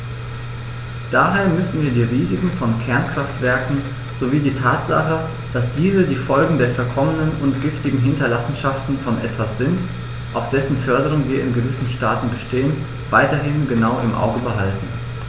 Daher müssen wir die Risiken von Kernkraftwerken sowie die Tatsache, dass diese die Folgen der verkommenen und giftigen Hinterlassenschaften von etwas sind, auf dessen Förderung wir in gewissen Staaten bestehen, weiterhin genau im Auge behalten.